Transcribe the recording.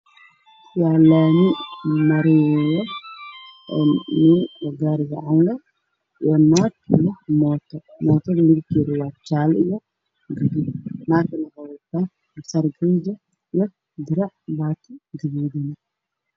Waalami waxaa ku yaalla dukaan waxaa ku qoran amiin shabaab waxaa ag maraayo bajaaj guduudan nin ayaa a